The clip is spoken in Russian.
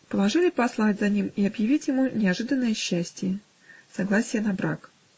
Положили послать за ним и объявить ему неожиданное счастие: согласие на брак.